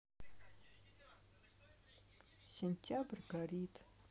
сентябрь горит